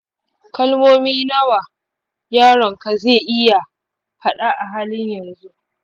kalmomi nawa yaronka zai iya faɗa a halin yanzu?